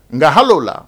Nka hali la